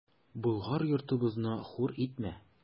Болгар йортыбызны хур итмә!